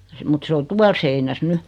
mutta se on tuolla seinässä nyt